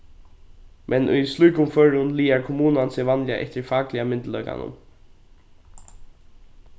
men í slíkum førum lagar kommunan seg vanliga eftir fakliga myndugleikanum